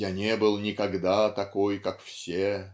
"я не был никогда такой, как все"